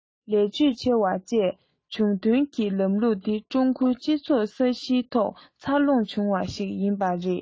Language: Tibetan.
ལས ཕྱོད ཆེ བ བཅས བྱུང དོན ནི ལམ ལུགས དེ ཀྲུང གོའི སྤྱི ཚོགས ཀྱི ས གཞིའི ཐོག འཚར ལོངས བྱུང བ ཞིག ཡིན པས རེད